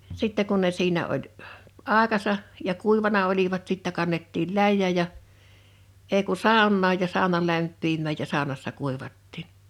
sitten kun ne siinä oli - aikansa ja kuivanut olivat sitten kannettiin läjään ja ei kun saunaan ja sauna lämpiämään ja saunassa kuivattiin